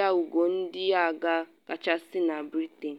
ya ugo ndị agha kachasị na Britain.